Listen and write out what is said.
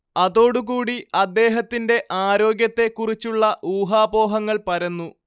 അതോടുകൂടി അദ്ദേഹത്തിൻറെ ആരോഗ്യത്തെ കുറിച്ചുള്ള ഊഹാപോഹങ്ങൾ പരന്നു